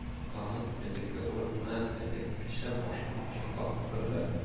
Тагын элекке урынына, элеккечә башын кочаклап утырды